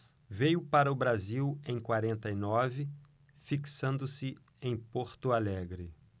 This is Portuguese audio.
veio para o brasil em quarenta e nove fixando-se em porto alegre